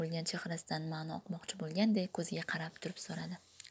uqmoqchi bolganday ko'ziga qarab turib so'radi